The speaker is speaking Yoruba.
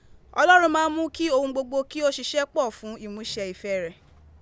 Olorun maa n mu ki ohun gbogbo ki o sise po fun imuse ife Re,